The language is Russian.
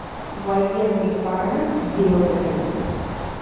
военный парад в белгороде